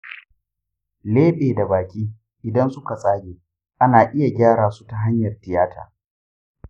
leɓe da baki idan suka tsage ana iya gyarasu ta hanyar tiyata.